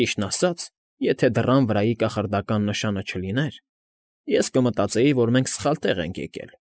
Ճիշտն ասած, եթե դռան վրայի կախարդական նշանը չլիներ, ես կմտածեի, որ մենք սխալ տեղ ենք ընկել։